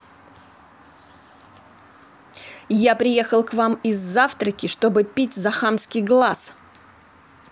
я приехал к вам из завтраки чтобы пить за хамский глаз